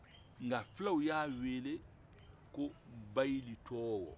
nka fulaw y'a wele ko bayilutɔɔ